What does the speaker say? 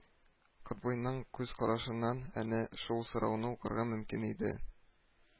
— котбыйның күз карашыннан әнә шул сорауны укырга мөмкин иде